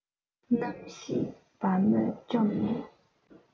ནམ ཞིག བ མོས བཅོམ ནས